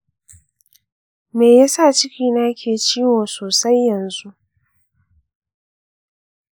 me yasa cikina ke ciwo sosai yanzu?